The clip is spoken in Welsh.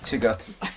Timod?